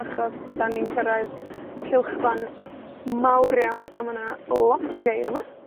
achos 'dan ni'n cyrraedd cylchfan mawr iawn a ma' 'na lot o geir yma.